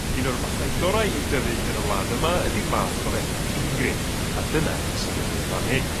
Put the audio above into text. un o'r mathau gorau i'w dyfu yn y wlad yma ydi'math o'r enw Ingrid. A dyna sy gynnai yn fan hyn.